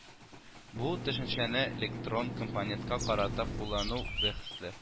Бу төшенчәне электрон компонентка карата куллану бәхәсле